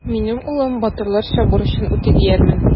Минем улым батырларча бурычын үти диярмен.